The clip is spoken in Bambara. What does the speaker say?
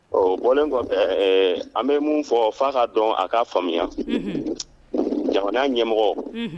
Ɔ bɔlen kɔfɛɛ an bɛ min fɔ f'a ka dɔn, a ka faamuya, unhun,, jamana ɲɛmɔgɔ, unhun